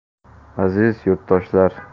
aziz yurtdoshlar